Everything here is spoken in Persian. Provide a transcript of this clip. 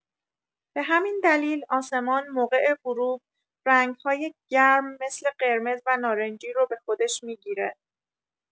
به همین دلیل آسمان موقع غروب، رنگ‌های گرم مثل قرمز و نارنجی رو به خودش می‌گیره.